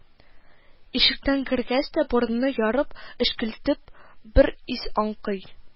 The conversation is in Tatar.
Ишектән кергәч тә, борынны ярып, әчкелтем бер ис аңкый